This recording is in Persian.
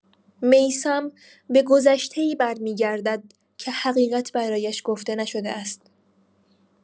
میثم به گذشته‌ای برمی‌گردد که حقیقت برایش گفته نشده است.